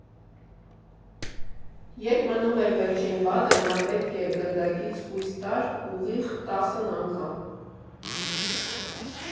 Երբ մնում էր վերջին բադը, նա պետք է գնդակից խույս տար ուղիղ տասն անգամ։